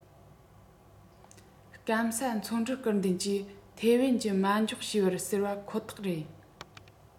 སྐམ ས ཚོང འགྲུལ སྐུལ འདེད ཀྱིས ཐའེ དབན གྱི མ འཇོག བྱས པར ཟེར པ ཁོ ཐག རེད